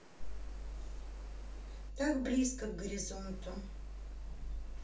так близко к горизонту